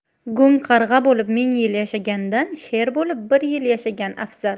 go'ngqarg'a bo'lib ming yil yashagandan sher bo'lib bir yil yashagan afzal